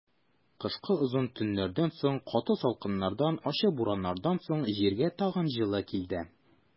Кышкы озын төннәрдән соң, каты салкыннардан, ачы бураннардан соң җиргә тагын җылы килде.